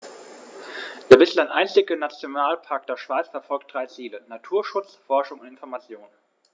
Der bislang einzige Nationalpark der Schweiz verfolgt drei Ziele: Naturschutz, Forschung und Information.